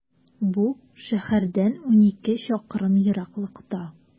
Бу шәһәрдән унике чакрым ераклыкта.